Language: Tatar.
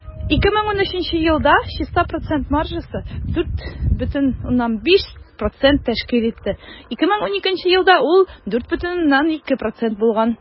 2013 елда чиста процент маржасы 4,5 % тәшкил итте, 2012 елда ул 4,2 % булган.